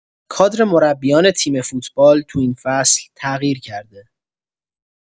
کادر مربیان تیم فوتبال تو این فصل تغییر کرده.